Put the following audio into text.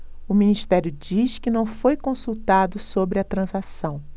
o ministério diz que não foi consultado sobre a transação